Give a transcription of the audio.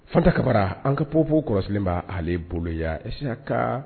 Fanta kara an ka pp kɔlɔsilen b' ale boloyase ka